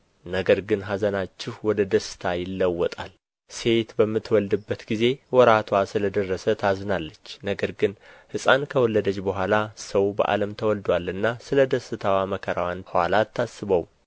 ነገር ግን ኀዘናችሁ ወደ ደስታ ይለወጣል ሴት በምትወልድበት ጊዜ ወራትዋ ስለ ደረሰ ታዝናለች ነገር ግን ሕፃን ከወለደች በኋላ ሰው በዓለም ተወልዶአልና ስለ ደስታዋ መከራዋን ኋላ አታስበውም